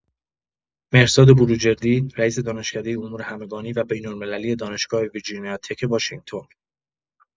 مهرزاد بروجردی رئیس دانشکدۀ امور همگانی و بین‌المللی دانشگاه ویرجینیا تک واشنگتن